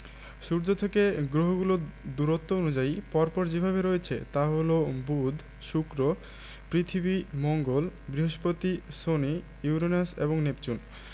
সূর্য থেকে গ্রহগুলো দূরত্ব অনুযায়ী পর পর যেভাবে রয়েছে তা হলো বুধ শুক্র পৃথিবী মঙ্গল বৃহস্পতি শনি ইউরেনাস এবং নেপচুন